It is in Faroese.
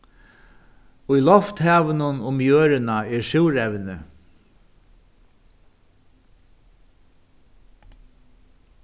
í lofthavinum um jørðina er súrevni